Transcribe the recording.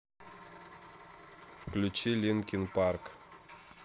включи линкин парк